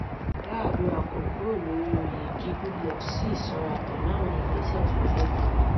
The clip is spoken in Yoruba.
Yar'adua kò kúrò lórí oyè kí Goodluck sì ṣọ́ra pẹ̀lú àwọn ìgbésẹ̀ tí ó fẹ́ gbé.